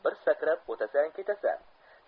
bir sakrab o'tasan ketasan